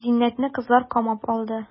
Зиннәтне кызлар камап алды.